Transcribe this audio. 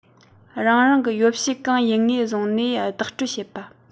རང རང གི ཡོ བྱད གང ཡིན ངོས བཟུང ནས བདག སྤྲོད བྱེད པ